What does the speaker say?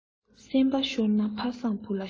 སེམས པ ཤོར ན ཕ བཟང བུ ལ ཤོར